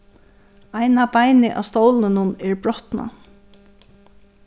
eina beinið á stólinum er brotnað